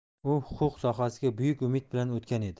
u huquq sohasiga buyuk umid bilan o'tgan edi